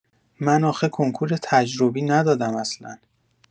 من آخه کنکور تجربی ندادم اصلا